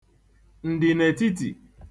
ǹdịnètitì